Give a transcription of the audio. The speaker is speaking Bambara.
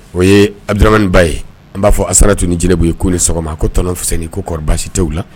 O yedrmaniba ye n b'a fɔ a sarara tun ni jiribu ye ko ni sɔgɔma ko tɔnsɛsɛnnin ko kɔrɔ baasi tɛ la